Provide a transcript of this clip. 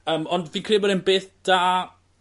Yym ond fi'n credu bod e'n beth da